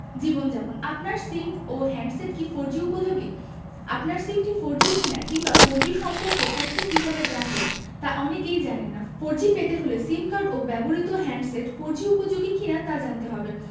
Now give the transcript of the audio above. জীবনযাপন আপনার সিম ও হ্যান্ডসেট কি ফোরজি উপযোগী আপনার সিমটি ফোরজি কিনা কিংবা ফোরজি সম্পর্কে তথ্য কীভাবে জানবেন তা অনেকেই জানেন না ফোরজি পেতে হলে সিম কার্ড ও ব্যবহৃত হ্যান্ডসেট ফোরজি উপযোগী কিনা তা জানতে হবে